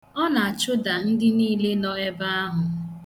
Ọ na-achụda ndị nille nọ ebe ahụ.